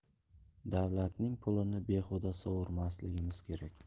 davlatning pulini behuda sovurmasligimiz kerak